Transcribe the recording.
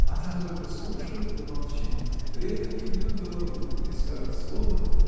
А та только слушает да молчит, редко кивнет головой или скажет слово.